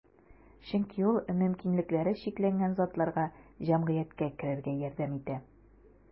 Чөнки ул мөмкинлекләре чикләнгән затларга җәмгыятькә керергә ярдәм итә.